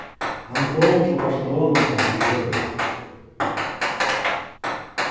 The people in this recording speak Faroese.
hann kom til barcelona í fjør